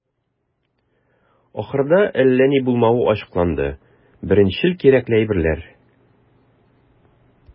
Ахырда, әллә ни булмавы ачыкланды - беренчел кирәкле әйберләр.